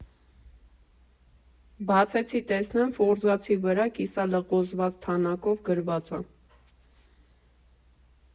Բացեցի, տեսնեմ ֆորզացի վրա կիսալղոզված թանաքով գրված ա.